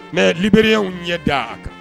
Mais Libériens ɲɛ da kan.